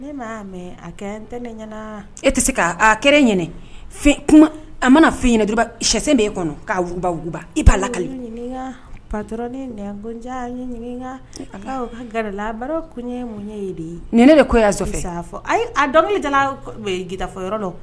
Ne mɛ a kɛ n tɛ ne ɲɛna e tɛ se k' kɛ ɲini a mana fɛn sɛ bɛ e kɔnɔ'baba'a lato gala ye mun de ye nin ne de ko a dɔ datafa yɔrɔ la